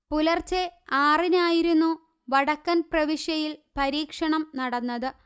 പുലർച്ചെ ആറിനായിരുന്നു വടക്കൻ പ്രവിശ്യയിൽ പരീക്ഷണം നടന്നത്